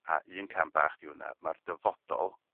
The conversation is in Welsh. A un cam bach 'di hwnna ma'r dyfodol